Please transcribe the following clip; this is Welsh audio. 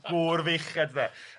Gŵr feichiad fe.